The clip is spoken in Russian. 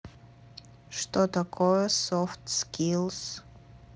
что такое soft skills